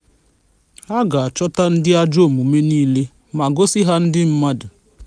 A ga-achọta ndị ajọ omume niile ma gosi ha ndị mmadụ.